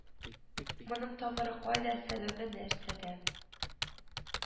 Моның тамыры кайда сәбәбе нәрсәдә